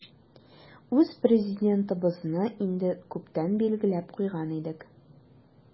Үз Президентыбызны инде күптән билгеләп куйган идек.